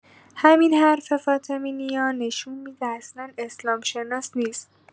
همین حرف فاطمی نیا نشون می‌ده اصلا اسلام‌شناس نیست